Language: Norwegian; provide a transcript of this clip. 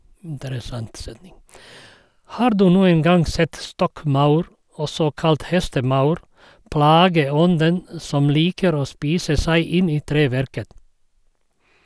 Har du noen gang sett stokkmaur, også kalt hestemaur, plageånden som liker å spise seg inn i treverket?